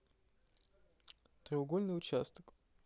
треугольный участок